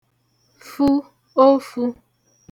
fu ofū